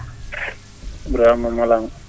Burama Malaŋ